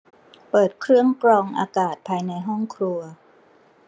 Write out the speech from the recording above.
เปิดเครื่องกรองอากาศภายในห้องครัว